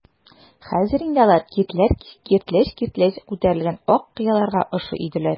Хәзер инде алар киртләч-киртләч күтәрелгән ак кыяларга охшый иделәр.